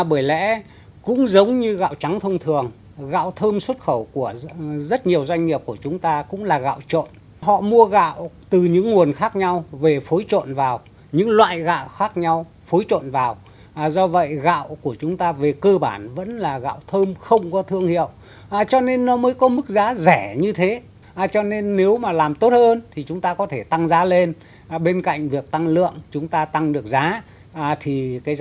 bởi lẽ cũng giống như gạo trắng thông thường gạo thơm xuất khẩu của ừ rất nhiều doanh nghiệp của chúng ta cũng là gạo trộn họ mua gạo từ những nguồn khác nhau về phối trộn vào những loại gạo khác nhau phối trộn vào à do vậy gạo của chúng ta về cơ bản vẫn là gạo thơm không có thương hiệu à cho nên nó mới có mức giá rẻ như thế à cho nên nếu mà làm tốt hơn thì chúng ta có thể tăng giá lên à bên cạnh việc tăng lượng chúng ta tăng được giá à thì cái